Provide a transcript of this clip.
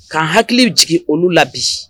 K'an hakili jigin olu la bi